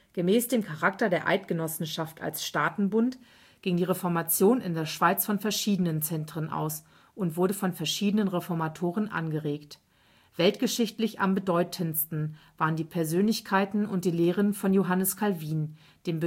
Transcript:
Gemäß dem Charakter der Eidgenossenschaft als Staatenbund ging die Reformation in der Schweiz von verschiedenen Zentren aus und wurde von verschiedenen Reformatoren angeregt. Weltgeschichtlich am bedeutendsten waren die Persönlichkeiten und die Lehren von Johannes Calvin, dem